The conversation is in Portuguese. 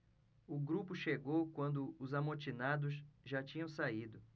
o grupo chegou quando os amotinados já tinham saído